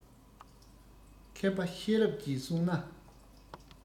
མཁས པ ཤེས རབ ཀྱིས བསྲུང ན